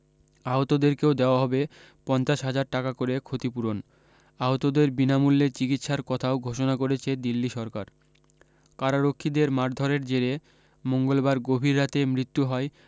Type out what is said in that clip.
আহতদেরকেও দেওয়া হবে পঞ্চাশ হাজার টাকা করে ক্ষতিপূরণ আহতদের বিনামূল্যে চিকিৎসার কথাও ঘোষণা করেছে দিল্লী সরকার কারারক্ষীদের মারধরের জেরে মঙ্গলবার গভীর রাতে মৃত্যু হয়